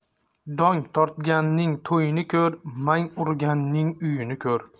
dong tortganning to'yini ko'r mang urganning uyini ko'r